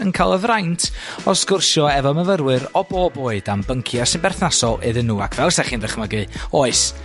yn ca'l fy fraint or sgwrsio efo myfyrwyr o bob oed am byncia' sy'n berthnasol iddyn nhw ac fel 'sach chi'n ddychmygu, oes,